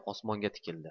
osmonga tikildi